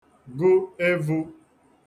gụ evū